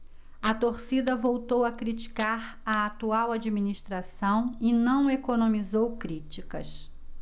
a torcida voltou a criticar a atual administração e não economizou críticas